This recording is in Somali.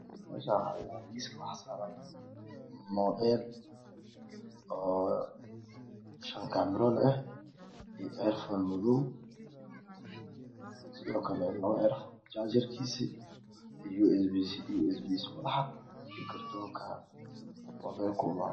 Meeshaan waxaa yaalo miis waxaa saaran muubeel oo shan kaamiroole ah iyo eerafoon madow ah iyo jaajar u isbiiga iyo kartoonkey ku imaadaan.